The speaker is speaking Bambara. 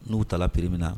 N'u taara pereri minna na